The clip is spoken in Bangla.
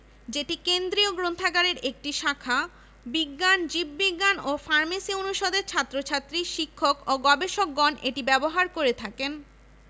যেটি কেন্দ্রীয় গ্রন্থাগারের একটি শাখা বিজ্ঞান জীববিজ্ঞান ও ফার্মেসি অনুষদের ছাত্রছাত্রী শিক্ষক ও গবেষকগণ এটি ব্যবহার করে থাকেন